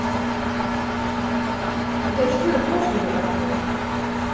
vit hava ikki tíð at tosa um hetta beint nú